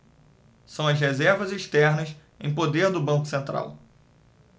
são as reservas externas em poder do banco central